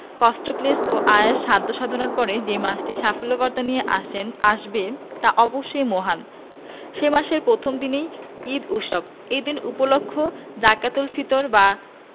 কষ্টক্লেশ ও আয়াস সাধ্য সাধনার পর যে মাসটি সাফল্যের বার্তা নিয়ে আসবে তা অবশ্যই মহান সে মাসের প্রথম দিনই ঈদ উৎসব এই দিন উপলক্ষে জাকাতুল ফিতর বা